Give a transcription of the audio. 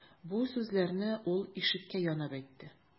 Бу сүзләрне ул ишеккә янап әйтте.